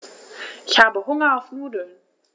Ich habe Hunger auf Nudeln.